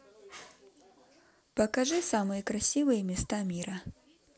покажи самые красивые места мира